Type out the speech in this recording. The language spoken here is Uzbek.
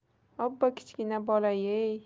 obbo kichkina bolayey